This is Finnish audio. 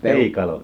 peikalo